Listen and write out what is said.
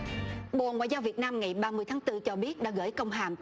bộ ngoại giao việt nam ngày ba mươi tháng tư cho biết đã gửi công hàm